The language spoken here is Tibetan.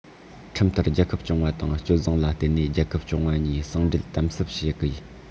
ཁྲིམས ལྟར རྒྱལ ཁབ སྐྱོང བ དང སྤྱོད བཟང ལ བརྟེན ནས རྒྱལ ཁབ སྐྱོང བ གཉིས ཟུང འབྲེལ དམ ཟབ བྱ དགོས